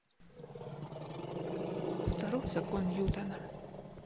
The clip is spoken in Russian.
второй закон ньютона